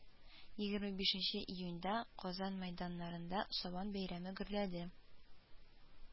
Егерме бишенче июньдә казан мәйданнарында сабан бәйрәме гөрләде